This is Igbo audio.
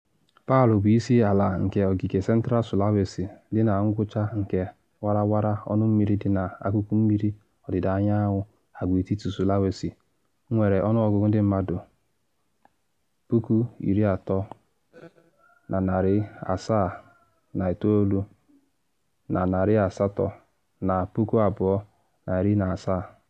Palụ bụ isi ala nke ogige Central Sulawesi, dị na ngwụcha nke warawara ọnụ mmiri dị na akụkụ mmiri ọdịda anyanwụ agwaetiti Sulawesi, nwere ọnụọgụgụ ndị mmadụ 379,800 na 2017.